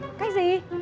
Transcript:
cách gì